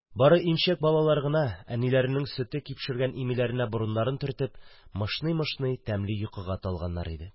Бары имчәк балалар гына, әниләренең сөте кипшергән имиләренә борыннарын төртеп, мышный-мышный тәмле йокыга талганнар иде.